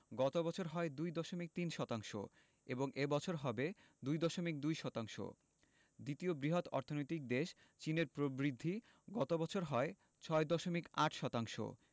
গত বছর হয় ২.৩ শতাংশ এবং এ বছর হবে ২.২ শতাংশ দ্বিতীয় বৃহৎ অর্থনৈতিক দেশ চীনের প্রবৃদ্ধি গত বছর হয় ৬.৮ শতাংশ